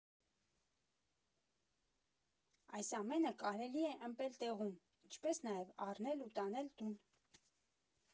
Այս ամենը կարելի է ըմպել տեղում, ինչպես նաև՝ առնել ու տանել տուն։